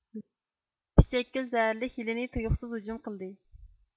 پىچەكگۈل زەھەرلىك يىلىنى تۇيۇقسىز ھۇجۇم قىلدى